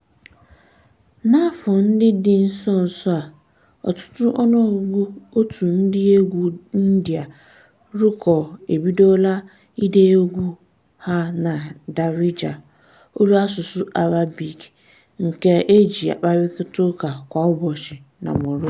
N'afọ ndị dị nso nso a, ọtụtụ ọnụọgụgụ òtù ndịegwu indie rọk ebidola ide egwu ha na Darija, olu asụsụ Arabik nke e ji akparịtaụka kwa ụbọchị na Morocco.